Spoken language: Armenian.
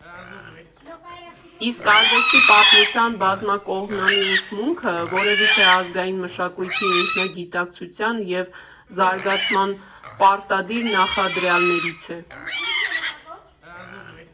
Իսկ արվեստի պատմության բազմակողմանի ուսմունքը որևիցէ ազգային մշակույթի ինքնագիտակցության և զարգացման պարտադիր նախադրյալներից է։